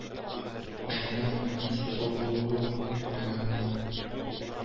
Ашамлык һәм су табуы бик кыен